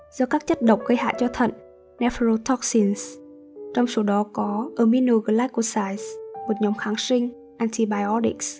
do các chất độc gây hại cho thận trong số đó có aminoglycosides một nhóm kháng sinh